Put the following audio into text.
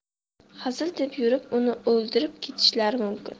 hazil deb yurib uni o'ldirib ketishlari mumkin